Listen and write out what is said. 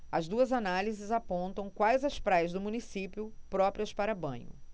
as duas análises apontam quais as praias do município próprias para banho